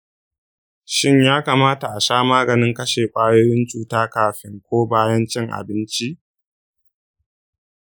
shin ya kamata a sha maganin kashe ƙwayoyin cuta kafin ko bayan cin abinci?